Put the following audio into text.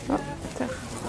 O, dioch.